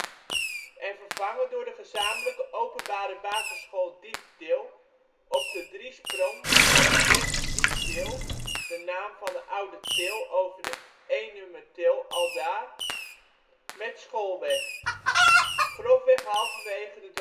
en vervangen door de gezamelijke openbare basisschool Dieftil op de driesprong van de weg Dieftil (naam van oude til over de Eenumertil aldaar) met Schoolweg; grofweg halverwege